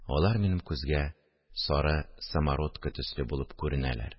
Алар минем күзгә сары самородкы төсле булып күренәләр